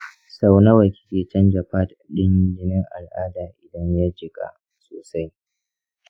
sau nawa kike canja pad ɗin jinin al’ada idan ya jika sosai?